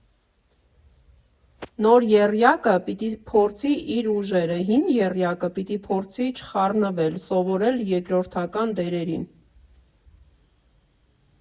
Նոր եռյակը պիտի փորձի իր ուժերը, հին եռյակը պիտի փորձի չխառնվել, սովորել երկրորդական դերերին։